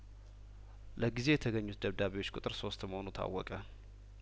ለጊዜው የተገኙት ደብዳቤዎች ቁጥር ሶስት መሆኑ ታውቋል